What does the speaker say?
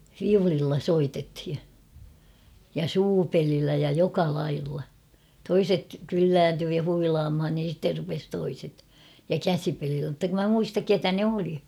viululla soitettiin ja suupelillä ja joka lailla toiset kyllääntyi ja huilaamaan niin sitten rupesi toiset ja käsipelillä mutta kun minä muista keitä ne oli